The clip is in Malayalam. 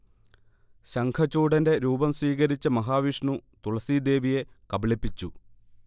ശംഖചൂഢന്റെ രൂപം സ്വീകരിച്ച മഹാവിഷ്ണു തുളസീദേവിയെ കബളിപ്പിച്ചു